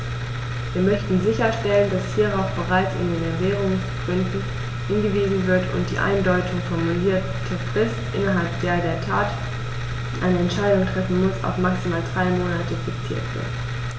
Wir möchten sicherstellen, dass hierauf bereits in den Erwägungsgründen hingewiesen wird und die uneindeutig formulierte Frist, innerhalb der der Rat eine Entscheidung treffen muss, auf maximal drei Monate fixiert wird.